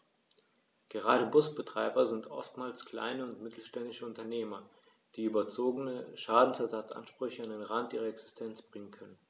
Gerade Busbetreiber sind oftmals kleine und mittelständische Unternehmer, die überzogene Schadensersatzansprüche an den Rand ihrer Existenz bringen können.